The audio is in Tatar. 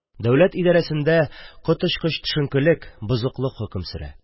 Дәүләт идәрәсендә коточкыч төшенкелек, бозыклык хөкем сөрә